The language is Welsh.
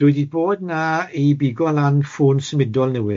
Dwi 'di bod 'na i bigo lan ffôn symudol newydd.